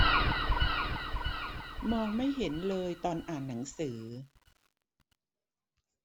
มองไม่เห็นเลยตอนอ่านหนังสือ